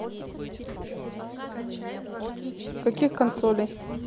каких консолей